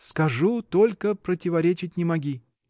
— Скажу, только противоречить не моги!